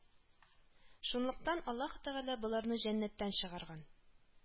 Шунлыктан Аллаһы Тәгалә боларны Җәннәттән чыгарган